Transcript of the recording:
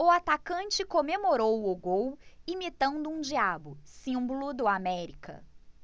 o atacante comemorou o gol imitando um diabo símbolo do américa